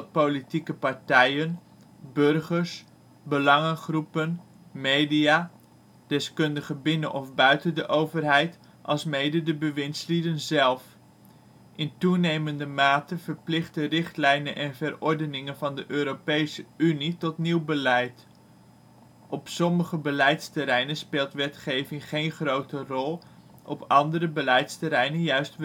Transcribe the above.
politieke partijen, burgers, belangengroepen, media, deskundigen binnen of buiten de overheid, alsmede de bewindslieden zelf. In toenemende mate (2003) verplichten richtlijnen en verordeningen van de Europese Unie tot nieuw beleid. Op sommige beleidsterreinen speelt wetgeving geen grote rol (bijvoorbeeld buitenlandse betrekkingen) op andere beleidsterreinen juist wel